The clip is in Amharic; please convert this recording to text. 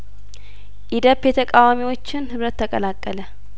ኢዴፕ የተቃዋሚዎችን ህብረት ተቀላቀለ